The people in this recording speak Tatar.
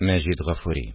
Мәҗит Гафури